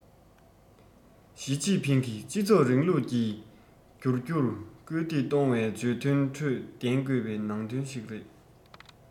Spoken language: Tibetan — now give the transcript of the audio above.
ཞིས ཅིན ཕིང གིས སྤྱི ཚོགས རིང ལུགས ཀྱི འགྱུར རྒྱུར སྐུལ འདེད གཏོང བའི བརྗོད དོན ཁྲོད ལྡན དགོས པའི ནང དོན ཞིག རེད